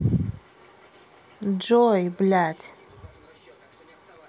джой блядь